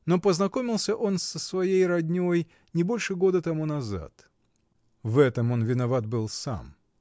Но познакомился он с своей родней не больше года тому назад. В этом он виноват был сам.